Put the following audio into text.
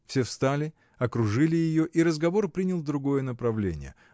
Все встали, окружили ее, и разговор принял другое направление.